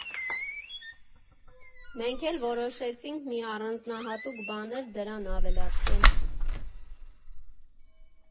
Մենք էլ որոշեցինք մի առանձնահատուկ բան էլ դրան ավելացնել։